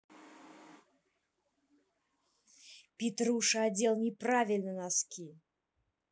петруша отдел неправильно носки